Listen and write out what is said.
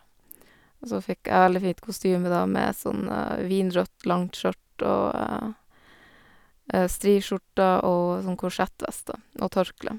Og så fikk jeg veldig fint kostyme, da, med sånn vinrødt langt skjørt og striskjorte og sånn korsettvest, da, og tørkle.